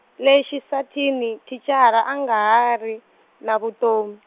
le xitasini thicara a nga ha ri, na vutomi.